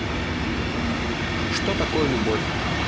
что такое любовь